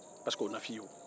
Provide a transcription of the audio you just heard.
pariseke o na fɔ i ye o